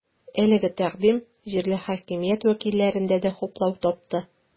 Әлеге тәкъдим җирле хакимият вәкилләрендә дә хуплау тапты.